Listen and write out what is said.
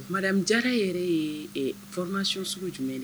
O tumadamija yɛrɛ ye fnasi sugu jumɛn de